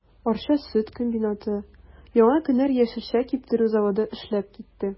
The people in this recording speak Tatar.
Арча сөт комбинаты, Яңа кенәр яшелчә киптерү заводы эшләп китте.